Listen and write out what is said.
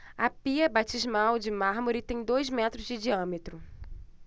a pia batismal de mármore tem dois metros de diâmetro